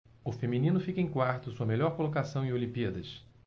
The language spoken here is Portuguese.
o feminino fica em quarto sua melhor colocação em olimpíadas